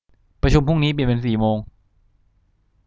ประชุมพรุ่งนี้เปลี่ยนเป็นสี่โมง